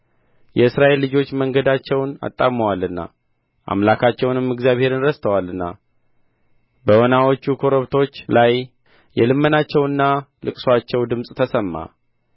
የእስራኤል ልጆች መንገዳቸውን አጣምመዋልና አምላካቸውንም እግዚአብሔርን ረስተዋልና በወናዎች ኮረብቶች ላይ የልመናቸውና ልቅሶአቸው ድምፅ ተሰማ